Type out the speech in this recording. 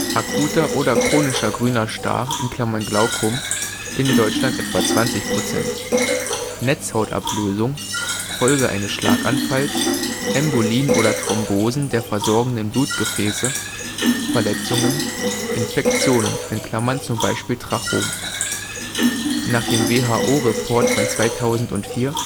akuter oder chronischer grüner Star (Glaukom), in D etwa 20 % Netzhautablösung Folge eines Schlaganfalls Embolien oder Thrombosen der versorgenden Blutgefäße Verletzungen Infektionen (z. B. Trachom) Nach dem WHO-Report von 2004